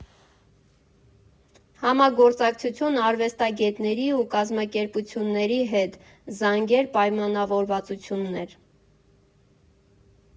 Համագործակցություն արվեստագետների ու կազմակերպությունների հետ, զանգեր, պայմանավորվածություններ…